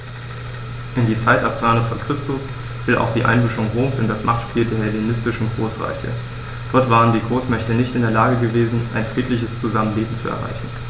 In die Zeit ab 200 v. Chr. fiel auch die Einmischung Roms in das Machtspiel der hellenistischen Großreiche: Dort waren die Großmächte nicht in der Lage gewesen, ein friedliches Zusammenleben zu erreichen.